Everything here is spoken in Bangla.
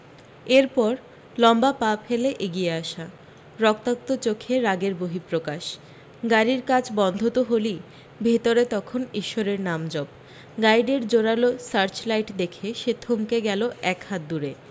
এর পর লম্বা পায়ে এগিয়ে আসা রক্তাক্ত চোখে রাগের বহিপ্রকাশ গাড়ীর কাঁচ বন্ধ তো হলি ভিতরে তখন ঈশ্বরের নামজপ গাইডের জোরালো সার্চ লাইট দেখে সে থমকে গেল এক হাত দূরে